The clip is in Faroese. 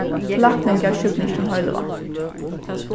læknin gav sjúklinginum heilivág